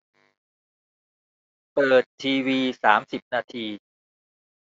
เปิดทีวีสามสิบนาที